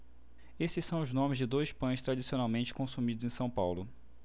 esses são os nomes de dois pães tradicionalmente consumidos em são paulo